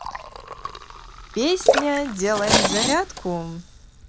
песня делаем зарядку